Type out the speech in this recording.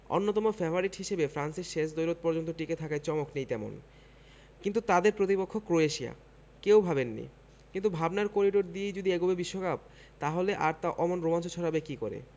অন্যতম ফেভারিট হিসেবে ফ্রান্সের শেষ দ্বৈরথ পর্যন্ত টিকে থাকায় চমক নেই তেমন কিন্তু তাদের প্রতিপক্ষ ক্রোয়েশিয়া কেউ ভাবেননি কিন্তু ভাবনার করিডর দিয়েই যদি এগোবে বিশ্বকাপ তাহলে আর তা অমন রোমাঞ্চ ছড়াবে কী করে